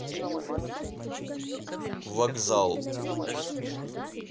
вокзал